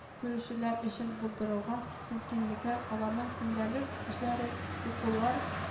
Күрүчеләр өчен булдырылган мөмкинлекләр, аларның көндәлек эшләре, укулар